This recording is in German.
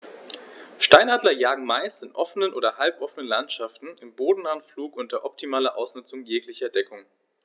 Steinadler jagen meist in offenen oder halboffenen Landschaften im bodennahen Flug unter optimaler Ausnutzung jeglicher Deckung.